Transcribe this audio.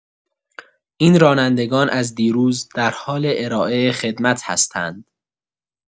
این رانندگان از دیروز در حال ارائه خدمت هستند.